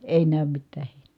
ei näy mitään heinää